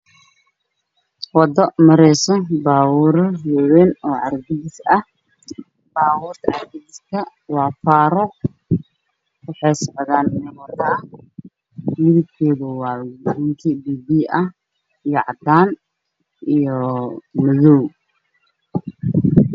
Wada mareyso baa buuro waa weyn oo cara gadis ka ah waxey socdaan meel wado ah midab kooda waa cadaan iyo madow